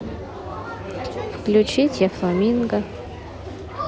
включить я фламинго